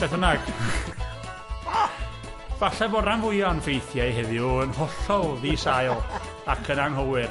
Beth bynnag, falle bod rhan fwya o'n ffeithiau heddiw yn hollol ddisail ac yn anghywir.